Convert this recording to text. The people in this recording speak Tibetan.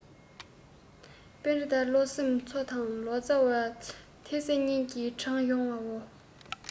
པཎྡི ཏ བློ སེམས འཚོ དང ལོ ཙ བ ལི ཐེ སི གཉིས ཀྱིས དྲངས ཡོང བའོ